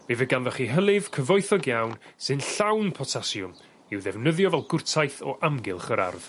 fe fy' ganddoch chi hylif cyfoethog iawn sy'n llawn potasiwm i'w ddefnyddio fel gwrtaith o amgylch yr ardd.